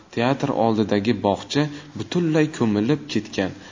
teatr oldidagi bog'cha butunlay ko'milib ketgan